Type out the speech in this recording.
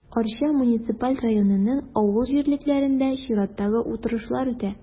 Арча муниципаль районының авыл җирлекләрендә чираттагы утырышлар үтә.